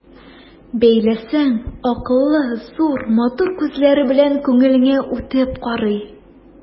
Бәйләсәң, акыллы, зур, матур күзләре белән күңелеңә үтеп карый.